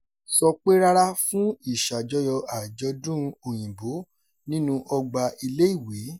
3. Sọ pé rárá fún ìṣàjọyọ̀ àjọ̀dún Òyìnbó nínú ọgbà ilé-ìwé.